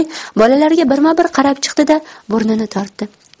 toy bolalarga birma bir qarab chiqdi da burnini tortdi